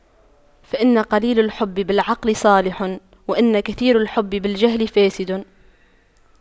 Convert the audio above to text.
فإن قليل الحب بالعقل صالح وإن كثير الحب بالجهل فاسد